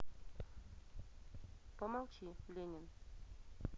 помолчи ленин